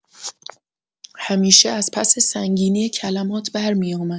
همیشه از پس سنگینی کلمات برمی‌آمد.